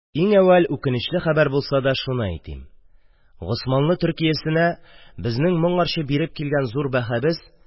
Иң әүвәл, үкенечле хәбәр булса да шуны әйтим: госманлы Төркиясенә безнең моңарчы биреп килгән зур баһабыз,